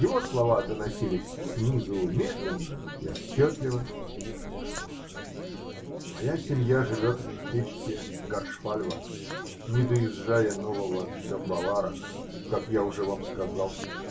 Его слова доносились снизу медленно и отчетливо: -- Моя семья живет в местечке Гаршфальва, не доезжая Нового Донбовара, как я уже вам сказал.